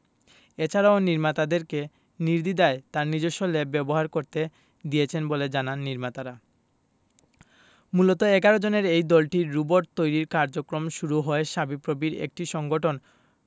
এছাড়াও নির্মাতাদেরকে নির্দ্বিধায় তার নিজস্ব ল্যাব ব্যবহার করতে দিয়েছেন বলে জানান নির্মাতারামূলত ১১ জনের এই দলটির রোবট তৈরির কার্যক্রম শুরু হয় শাবিপ্রবির একটি সংগঠন